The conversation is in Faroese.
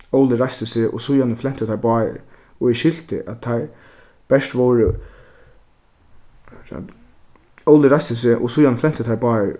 óli reisti seg og síðani flentu teir báðir og eg skilti at teir bert vóru óli reisti seg og síðani flentu teir báðir